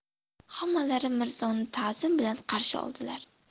hammalari mirzoni tazim bilan qarshi oldilar